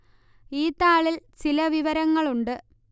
ഈ താളിൽ ചില വിവരങ്ങളുണ്ട്